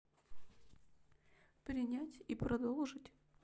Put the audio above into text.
принять и продолжить